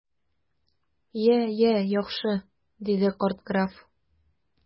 Я, я, яхшы! - диде карт граф.